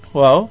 waaw